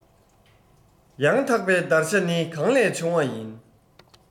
ཡང དག པའི བདར ཤ ནི གང ལས བྱུང བ ཡིན